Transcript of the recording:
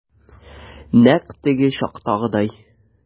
Нәкъ теге чактагыдай.